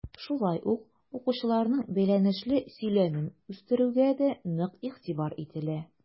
Шулай ук укучыларның бәйләнешле сөйләмен үстерүгә дә нык игътибар ителә.